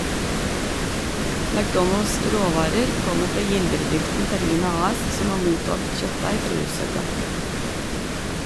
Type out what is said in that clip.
McDonalds råvarer kommer fra Gilde-bedriften Terina AS som har mottatt kjøttdeig fra Rudshøgda.